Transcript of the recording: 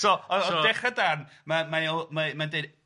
...so o- o- o dechra'r darn ma- mae o mae mae'n dweud,